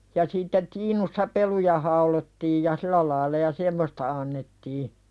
ja sitten tiinussa peluja haudottiin ja sillä lailla ja semmoista annettiin